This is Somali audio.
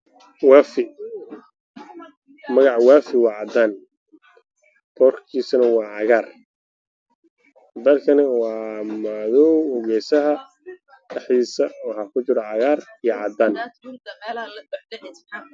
Waafi magaca waafi waa cadaan kalarkiisana wa cagaar galkana wa madow gesahana dhexdiisa waxa ku jira cagaar iyo cadaan